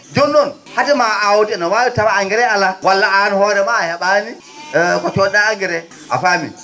jooni noon hadema aawde ene waawi tawa engrais alaa walla aan hoore maa a he?aani ko cod?aa engrais a faamii